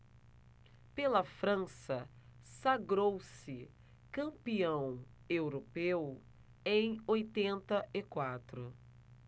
pela frança sagrou-se campeão europeu em oitenta e quatro